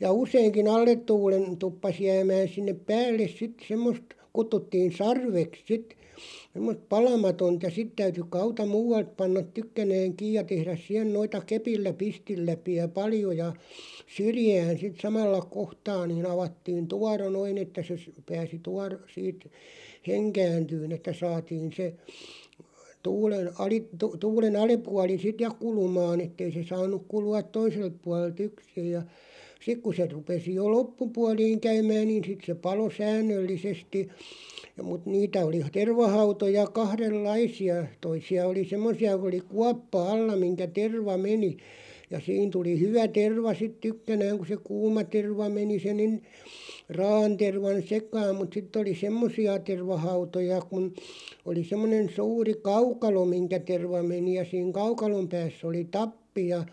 ja useinkin alle tuulen tuppasi jäämään sinne päälle sitten semmoista kutsuttiin sarveksi sitten semmoista palamatonta ja sitten täytyi hauta muualta panna tykkänään kiinni ja tehdä siihen noita kepillä pistinläpiä paljon ja syrjään sitten samalla kohtaa niin avattiin tuoro noin että se se pääsi - siitä henkääntymään että saatiin se tuulen -- tuulen alapuoli sitten ja kulumaan että ei se saanut kulua toiselta puolelta yksin ja sitten kun se rupesi jo loppupuoliin käymään niin sitten se paloi säännöllisesti ja mutta niitä oli tervahautoja kahdenlaisia toisia oli semmoisia kun oli kuoppa alla mihin terva meni ja siinä tuli hyvä terva sitten tykkänään kun se kuuma terva meni se niin raa'an tervan sekaan mutta sitten oli semmoisia tervahautoja kun oli semmoinen suuri kaukalo mihin terva meni ja siinä kaukalon päässä oli tappi ja